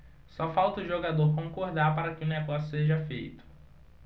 só falta o jogador concordar para que o negócio seja feito